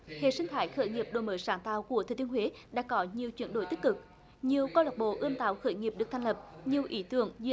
hệ sinh thái khởi nghiệp đổi mới sáng tạo của thừa thiên huế đã có nhiều chuyển đổi tích cực nhiều câu lạc bộ ươm tạo khởi nghiệp được thành lập nhiều ý tưởng dự